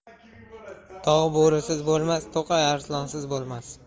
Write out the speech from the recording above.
tog' bo'risiz bo'lmas to'qay arslonsiz bo'lmas